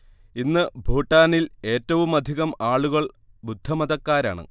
ഇന്ന് ഭൂട്ടാനിൽ ഏറ്റവുമധികം ആളുകൾ ബുദ്ധമതക്കാരാണ്